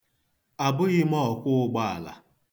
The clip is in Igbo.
Abụghị m ọkwọụgbaala.